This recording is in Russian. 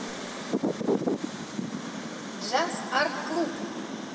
джаз арт клуб